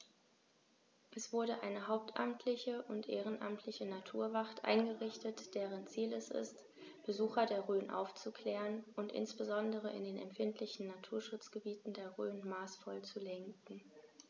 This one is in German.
Es wurde eine hauptamtliche und ehrenamtliche Naturwacht eingerichtet, deren Ziel es ist, Besucher der Rhön aufzuklären und insbesondere in den empfindlichen Naturschutzgebieten der Rhön maßvoll zu lenken.